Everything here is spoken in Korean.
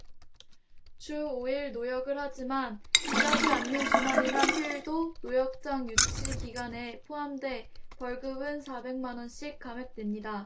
주 오 일 노역을 하지만 일하지 않는 주말이나 휴일도 노역장 유치 기간에 포함돼 벌금은 사백 만 원씩 감액됩니다